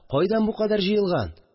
Кайдан бу кадәр җыелган